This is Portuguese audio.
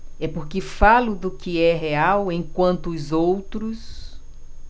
é porque falo do que é real enquanto os outros